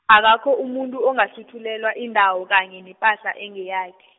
akakho umuntu ongahluthulelwa indawo, kanye nepahla, engeyakhe.